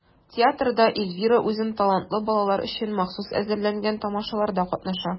Театрда Эльвира үзен талантлы балалар өчен махсус әзерләнгән тамашаларда катнаша.